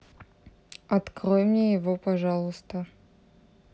открой мне его пожалуйста